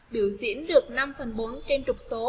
biểu diễn được trên trục số